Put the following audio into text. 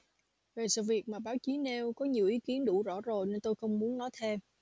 về sự việc mà báo chí nêu có nhiều ý kiến đủ rõ rồi nên tôi không muốn nói thêm